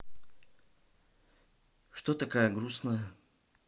что такая грустная